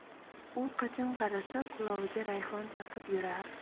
u qachon qarasa qulog'iga rayhon taqib yurar